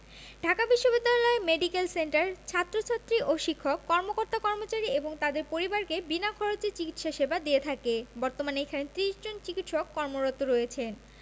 ঢাকা বিশ্ববিদ্যালয় medical centre ছাত্রছাত্রী ও শিক্ষক কর্মকর্তাকর্মচারী এবং তাদের পরিবারকে বিনা খরচে চিকিৎসা সেবা দিয়ে থাকে বর্তমানে এখানে ৩০ জন চিকিৎসক কর্মরত রয়েছেন